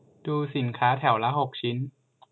ดูสินค้าแถวละหกชิ้น